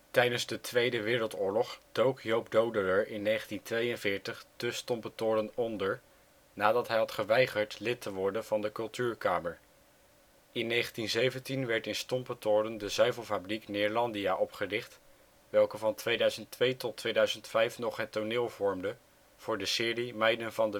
Tijdens de Tweede Wereldoorlog dook Joop Doderer in 1942 te Stompetoren onder, nadat hij had geweigerd lid te worden van de Kultuurkamer. In 1917 werd in Stompetoren de zuivelfabriek Neerlandia opgericht, welke van 2002-2005 nog het toneel vormde voor de serie Meiden van